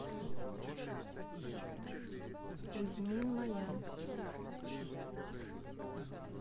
кузьмин моя